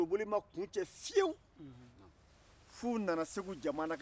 soboli ma kuncɛ fiyewu f'u nana segu jamana kan